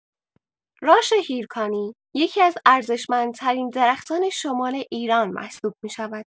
راش هیرکانی یکی‌از ارزشمندترین درختان شمال ایران محسوب می‌شود.